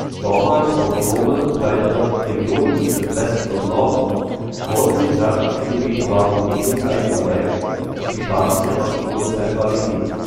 Vormals autonome kleinere Regionen im Westen und Norden wurden dem Herrschaftsgebiet Rwabugiris einverleibt, die staatliche Macht wurde zentralisiert